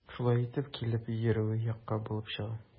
Шулай итеп, килеп йөрүе юкка булып чыга.